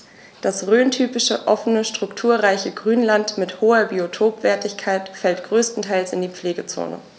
Das rhöntypische offene, strukturreiche Grünland mit hoher Biotopwertigkeit fällt größtenteils in die Pflegezone.